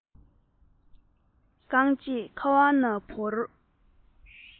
རྐང རྗེས ཁ བ ན བོར